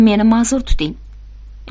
meni ma'zur tuting